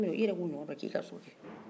i yɛrɛ k'o ɲɔgɔn dɔ sigi i ka so